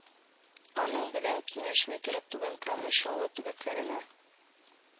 Аның белән киңәшми торып, түбән кама, чаллы төбәкләренә